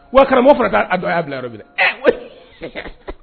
Wa karamɔgɔ fɔra k'a dɔn y'a bila yɔrɔ minɛ